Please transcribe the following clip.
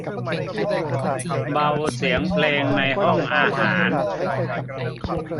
เบาเสียงเพลงในห้องอาหาร